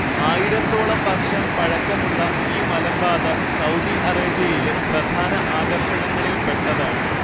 ആയിരത്തോളം വർഷം പഴക്കമുള്ള ഈ മലമ്പാത സൗദി അറേബ്യയിലെ പ്രധാന ആകർഷണങ്ങളിൽ പെട്ടതാണ്